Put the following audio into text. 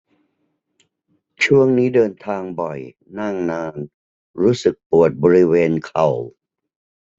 ช่วงนี้เดินทางบ่อยนั่งนานรู้สึกปวดบริเวณเข่า